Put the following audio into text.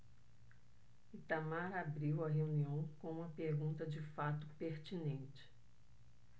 itamar abriu a reunião com uma pergunta de fato pertinente